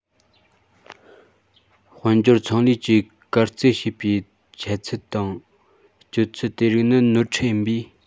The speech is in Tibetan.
དཔལ འབྱོར ཚོང ལས ཀྱིས གར རྩེད བྱེད པའི འཆད ཚུལ དང སྤྱོད ཚུལ དེ རིགས ནི ནོར འཁྲུལ ཡིན པས